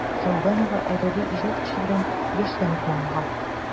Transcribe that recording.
Сәүбанова әдәби иҗат эше белән яшьтән үк мавыга.